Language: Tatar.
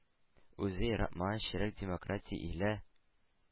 Үзе яратмаган “черек демократия” иле